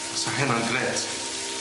Sa hynna'n grêt.